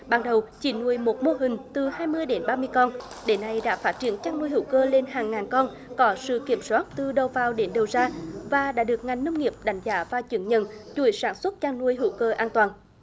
ban đầu chỉ nuôi một mô hình từ hai mươi đến ba mươi con đến nay đã phát triển chăn nuôi hữu cơ lên hàng ngàn con có sự kiểm soát từ đầu vào đến đầu ra và đã được ngành nông nghiệp đánh giá và chứng nhận chuỗi sản xuất chăn nuôi hữu cơ an toàn